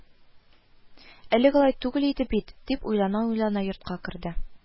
Элек алай түгел иде бит, – дип уйлана-уйлана йортка килде